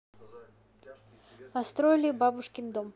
построили бабушкин дом